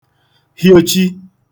hiochi